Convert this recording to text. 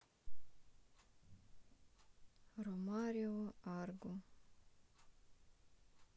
ромарио агро